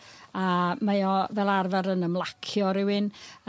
a mae o fel arfar yn ymlacio rywun,